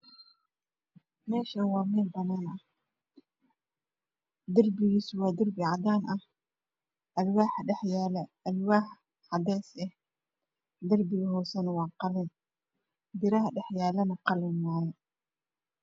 Meeshan waa meel banaan ah darbigiisu waa darbigisu cadaan ah xalwaax cadees ah ayaa dhex yalo dabiga hoosana waa qalin biraha hoosana waa qalin